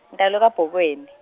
ngitalelwe KaBhokweni.